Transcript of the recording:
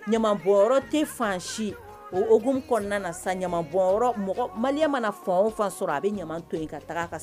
Ɲamabɔnyɔrɔ tɛ fansi o hokumu kɔnɔna na sa ɲamabɔnyɔrɔ mɔgɔ malien ma na fan o fan sɔrɔ a bɛ ɲaman ton in ka taga ka